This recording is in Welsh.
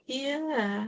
Ie.